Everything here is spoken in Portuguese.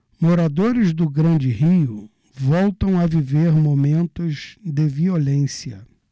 moradores do grande rio voltam a viver momentos de violência